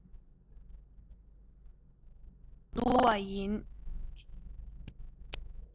གསུམ དུ འདུ བ ཡིན